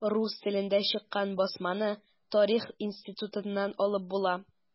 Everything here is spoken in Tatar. Рус телендә чыккан басманы Тарих институтыннан алып була.